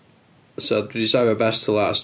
So dwi 'di safio best till last.